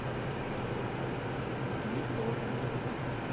не дорна